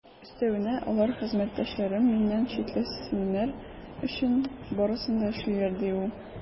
Өстәвенә, алар хезмәттәшләрем миннән читләшсеннәр өчен барысын да эшлиләр, - ди ул.